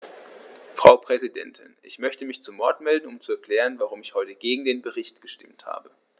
Frau Präsidentin, ich möchte mich zu Wort melden, um zu erklären, warum ich heute gegen den Bericht gestimmt habe.